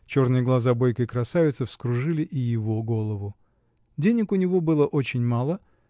черные глаза бойкой красавицы вскружили и его голову. Денег у него было очень мало